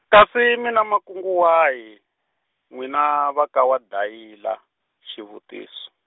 kasi mi na makungu wahi, n'wina va ka waDayila, xivutis-.